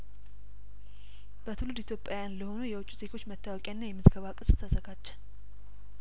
በትውልድ ኢትዮጵያዊያን ለሆኑ የውጭ ዜጐች መታወቂያና የምዝገባ ቅጽ ተዘጋጀ